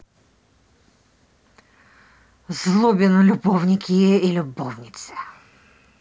злобин любовники и любовницы